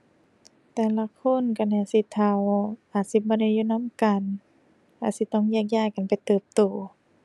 แต่ละคนก็น่าสิเฒ่า อาจสิบ่ได้อยู่นำกัน อาจสิต้องแยกย้ายกันไปเติบโต